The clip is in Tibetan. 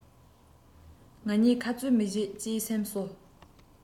ང གཉིས ཁ རྩོད མི བྱེད ཅེས སེམས གསོ